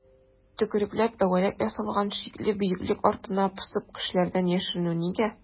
Төкерекләп-әвәләп ясалган шикле бөеклек артына посып кешеләрдән яшеренү нигә?